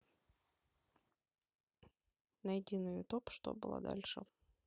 найди на ютуб что было дальше